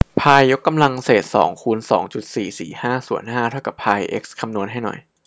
พายยกกำลังเศษสองคูณสองจุดสี่สี่ห้าส่วนห้าเท่ากับพายเอ็กซ์คำนวณให้หน่อย